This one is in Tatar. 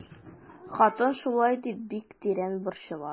Хатын шулай дип бик тирән борчыла.